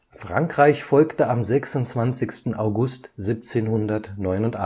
Frankreich folgte am 26. August 1789